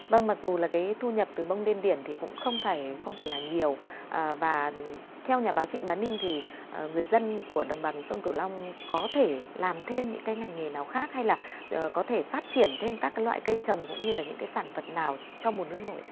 vâng mặc dù là kế thu nhập từ bông điên điển thì cũng không phải không phải là nhiều ở và theo nhà báo trịnh bá ninh thì ờ người dân của đồng bằng sông cửu long có thể làm thêm những cái ngành nghề nào khác hay là giờ có thể phát triển thêm các cái loại cây trồng cũng như là những cái sản vật nào trong mùa nước nổi ạ